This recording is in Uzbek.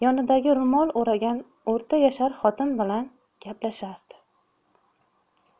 yonidagi ro'mol o'ragan o'rta yashar xotin bilan gaplashardi